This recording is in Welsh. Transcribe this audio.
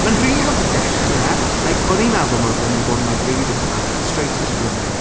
Mae'n rili hawdd i ddechrau like, o' fi'n meddwl ma' fe'n mynd i bod yn like, really difficult straight into the running.